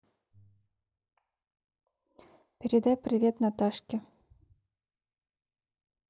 передай привет наташке